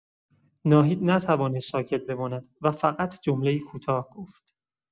ناهید نتوانست ساکت بماند و فقط جمله‌ای کوتاه گفت.